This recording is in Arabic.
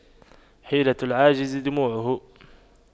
حيلة العاجز دموعه